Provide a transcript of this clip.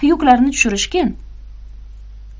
yuklarni tushirishgin